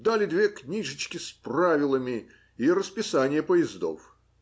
дали две книжечки с правилами и расписание поездов.